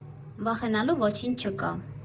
Վախենալու ոչինչ չկա։